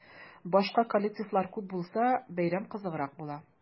Башка коллективлар күп булса, бәйрәм кызыграк була.